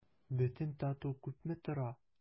Бөтен тату күпме тора?